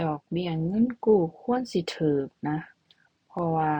ดอกเบี้ยเงินกู้ควรสิถูกนะ เพราะว่า